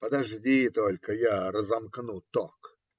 Подожди только, я разомкну ток.